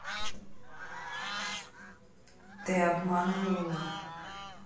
ты обманула